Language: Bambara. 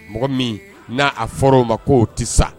Mɔgɔ min n'a a fɔra o ma koo tɛ sa